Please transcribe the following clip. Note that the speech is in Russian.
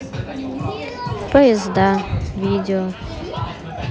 поезда видео